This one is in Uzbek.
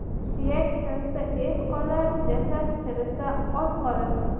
suyak sinsa et qolar jasad chirisa ot qolar